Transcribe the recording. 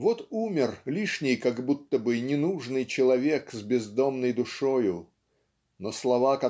Вот умер лишний как будто бы, ненужный человек, с бездомной душою. Но слова